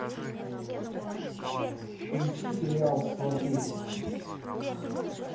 включи сериал сваты